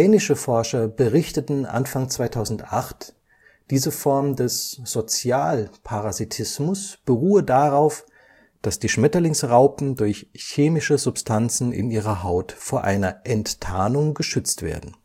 Dänische Forscher berichteten Anfang 2008, diese Form des Sozialparasitismus beruhe darauf, dass die Schmetterlingsraupen durch chemische Substanzen in ihrer Haut vor einer Enttarnung geschützt werden